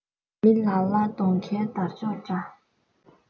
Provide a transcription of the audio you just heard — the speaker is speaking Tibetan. མི ལ ལ སྡོང ཁའི དར ལྕོག འདྲ